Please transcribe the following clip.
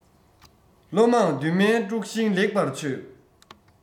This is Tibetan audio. བློ མང འདུན མའི དཀྲུག ཤིང ལེགས པར ཆོད